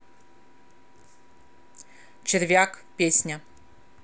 червяк песня